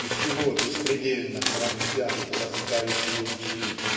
и всего беспредельно пронзят эти ласкающие лучи